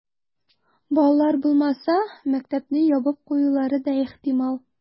Балалар булмаса, мәктәпне ябып куюлары да ихтимал.